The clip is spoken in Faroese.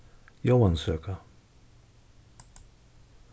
jóansøka